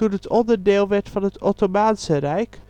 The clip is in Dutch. het onderdeel werd van het Ottomaanse Rijk